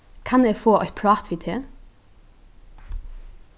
kann eg fáa eitt prát við teg